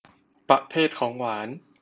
ประเภทของหวาน